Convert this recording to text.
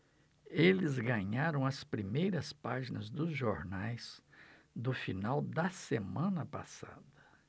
eles ganharam as primeiras páginas dos jornais do final da semana passada